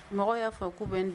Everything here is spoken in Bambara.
Mɔgɔw y'a fɔ k'u bɛ n d